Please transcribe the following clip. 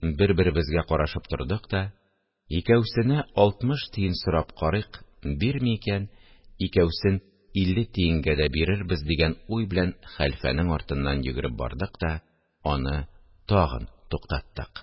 Бер-беребезгә карашып тордык та, «икәүсенә алтмыш тиен сорап карыйк, бирми икән, икәүсен илле тиенгә дә бирербез» дигән уй белән хәлфәнең артыннан йөгереп бардык та аны тагын туктаттык